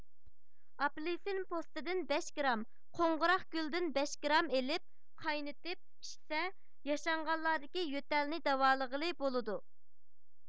ئاپېلسىن پوستىدىن بەش گرام قوڭغۇراقگۈلدىن بەش گرام ئېلىپ قاينىتىپ ئىچسە ياشانغانلاردىكى يۆتەلنى داۋالىغىلى بولىدۇ